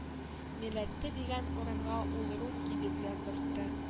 Милләте дигән урынга ул русский дип яздыртты